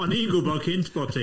O'n i'n gwybod cynt bo' ti!